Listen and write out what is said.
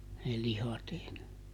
ne lihat ei ne